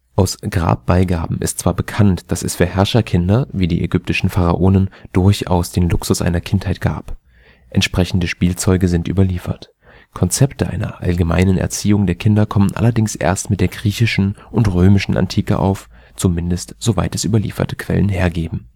Aus Grabbeigaben ist zwar bekannt, dass es für Herrscherkinder, wie die ägyptischen Pharaonen, durchaus den Luxus einer Kindheit gab. Entsprechende Spielzeuge sind überliefert. Konzepte einer allgemeinen Erziehung der Kinder kommen allerdings erst mit der griechischen und römischen Antike auf – zumindest soweit es überlieferte Quellen hergeben